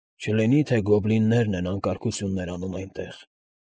Չլինի՞ թե գոբլիններն են անկարգություն անում այնտեղ։